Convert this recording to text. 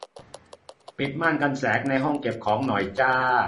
ปิดม่านกันแสงในห้องเก็บของหน่อยจ้า